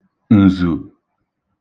ǹzù